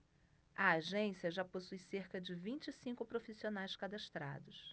a agência já possui cerca de vinte e cinco profissionais cadastrados